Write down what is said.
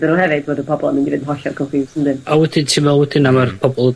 iddyn nhw hefyd fod y pobol yn mynd i fynd hollol confused yndyn? A wedyn ti'n me'wl wedyn am yr pobol